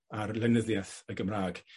ar lenyddieth y Gymra'g.